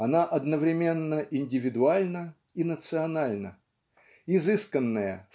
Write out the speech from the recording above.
она одновременно индивидуальна и национальна. Изысканная